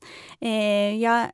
Jeg...